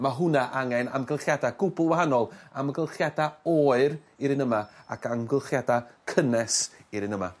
a ma' hwnna angen amgylchiada gwbwl wahanol amgylchiada oer i'r yn yma ac angylchiada cynnes i'r un yma.